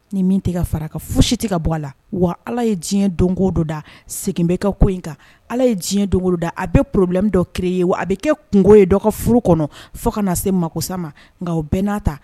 Ni min tɛ ka fara ka foyisi tɛ ka bɔ a la . Wa ala ye diɲɛ don ko don da segin be kɛ ko in kan. Ala ye diɲɛ don ko don o don da a bi kɛ problème dɔ kire ye a bɛ kɛ kungo ye dɔ ka furu kɔnɔ fo ka na se makogosa ma nka o bɛɛ n'a ta